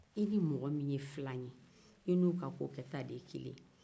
i ni mɔgɔ min filan ye i ni o ka ko kɛta de ye kelen